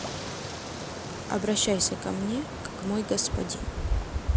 обращайся ко мне как мой господин